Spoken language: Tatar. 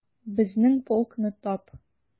Безнең полкны тап...